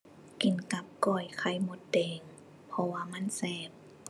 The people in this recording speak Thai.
กินกับก้อยไข่มดแดงเพราะว่ามันแซ่บ